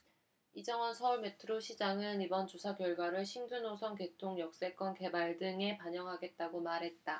이정원 서울메트로 사장은 이번 조사 결과를 신규노선 개통 역세권 개발 등에 반영하겠다고 말했다